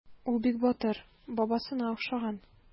Ул бик батыр, бабасына охшаган.